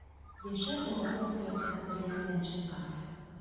Яшәр бабай васыяте хәтерләреннән чыккан.